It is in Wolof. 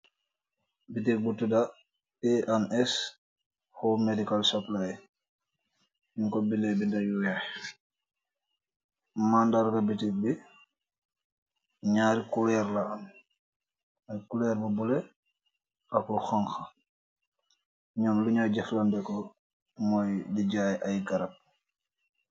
Boutique bu tuda A and S home medical supply, nung kor bindeh binda yu wekh, mandarr gah boutique bii njarri couleur la am, aiiy couleur bu bleu ak lu honha, njom Lu njur jeuf landehkor moiy dii jaii aiiy garab.